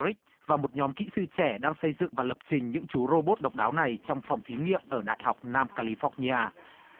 và một nhóm kỹ sư trẻ đang xây dựng và lập trình những chú rô bốt độc đáo này trong phòng thí nghiệm ở đại học nam ca li phóc ni a